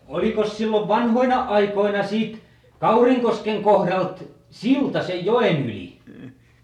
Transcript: olikos silloin vanhoina aikoina siitä Kaurinkosken kohdalta silta sen joen yli